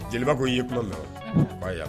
Jeliba ko in y yei p na ba yan